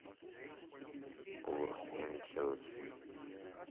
урфин джюс